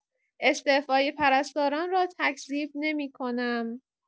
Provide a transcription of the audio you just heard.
استعفای پرستاران را تکذیب نمی‌کنم.